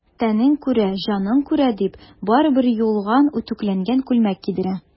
Тәнең күрә, җаның күрә,— дип, барыбер юылган, үтүкләнгән күлмәк кидерә.